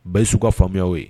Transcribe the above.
Basiw ka faamuyaw ye